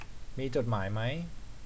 มีจดหมายไหม